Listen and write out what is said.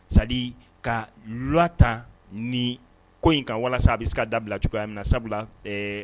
Sa ka la ta ni ko in kan walasa a bɛ se ka dabila cogoya minɛ na sabula ɛɛ